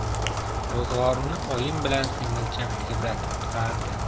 ro'zg'orini oyim bilan singilcham tebratib turardi